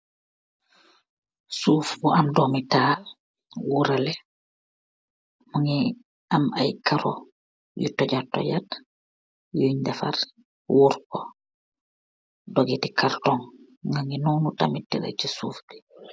Suuf bu am dormi taal, worareh mugeih am ayee karoo yuu tojattojat yunj dehfaar woorr nko, dogeih ti karoo mugeih nonu tamit tehdaa ce suuf gee.